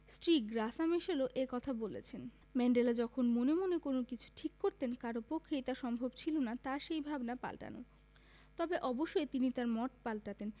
স্ত্রী গ্রাসা ম্যাশেলও এ কথা বলেছেন ম্যান্ডেলা যখন মনে মনে কোনো কিছু ঠিক করতেন কারও পক্ষেই তা সম্ভব ছিল না তাঁর সেই ভাবনা পাল্টানো তবে অবশ্যই তিনি তাঁর মত পাল্টাতেন